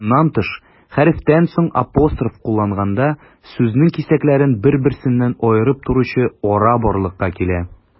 Моннан тыш, хәрефтән соң апостроф кулланганда, сүзнең кисәкләрен бер-берсеннән аерып торучы ара барлыкка килә.